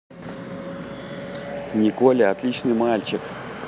николя отличный мальчик